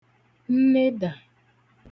nnedà